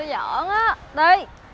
tui giỡn ớ đi